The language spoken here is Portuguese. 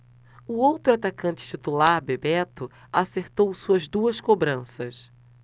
o outro atacante titular bebeto acertou suas duas cobranças